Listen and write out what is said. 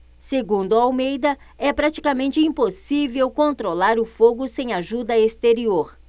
segundo almeida é praticamente impossível controlar o fogo sem ajuda exterior